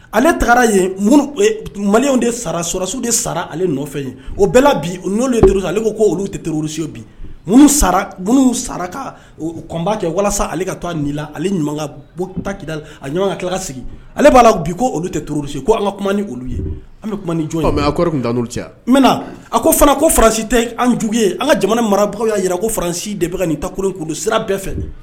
Ale tagara yen maliw de sararasiw de sara ale nɔfɛ ye o bɛɛ bi n'oluuru ale ko olu tɛrusi bi sara ŋ sara u kunba kɛ walasa ale ka taa la ale ɲuman takida a ɲuman ka tila sigi ale b'a la bi ko olu tɛrrorusu ko an ka kuma ni olu ye an bɛ kuma a ko fana ko faransi tɛ anjugu ye an ka jamana marabagaw yya jira ko faransi de bɛka ka nin takoro kun sira bɛɛ fɛ